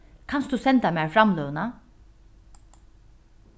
kanst tú senda mær framløguna